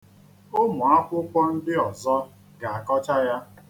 Ụmụ akwụkwọ ndị ọzọ ga-akọcha ya.